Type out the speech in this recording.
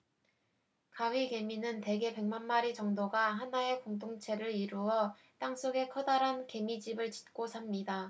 가위개미는 대개 백만 마리 정도가 하나의 공동체를 이루어 땅 속에 커다란 개미집을 짓고 삽니다